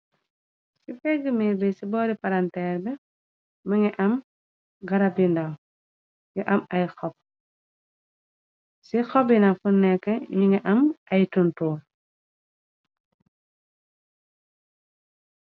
Ci pégg miir bi ci boori paranteer bi, mingi am garab yu ndaw yu am ay xob. Ci xob yi nak fuñ nekk, ñu ngi am ay tuntor.